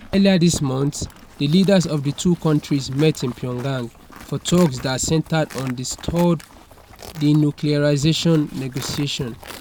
Earlier this month, the leaders of the two countries met in Pyongyang for talks that centered on the stalled denuclearization negotiations.